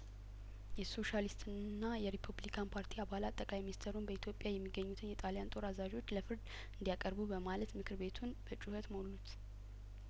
የሶሻሊስትና የሪፐብሊካን ፓርቲ አባላት ጠቅላይ ሚኒስተሩን በኢትዮጵያ የሚገኙትን የጣሊያን ጦር አዛዦች ለፍርድ እንዲ ያቀርቡ በማለትምክር ቤቱን በጩኸት ሞሉት